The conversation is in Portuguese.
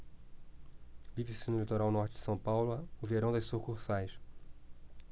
vive-se no litoral norte de são paulo o verão das sucursais